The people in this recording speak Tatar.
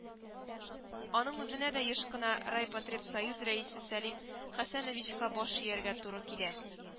Аның үзенә дә еш кына райпотребсоюз рәисе Сәлим Хәсәновичка баш ияргә туры килә